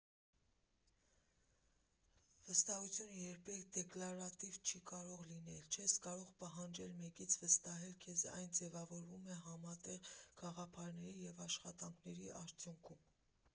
Վստահությունը երբեք դեկլարատիվ չի կարող լինել։ Չես կարող պահանջել մեկից վստահել քեզ, այն ձևավորվում է համատեղ գաղափարների և աշխատանքի արդյունքում։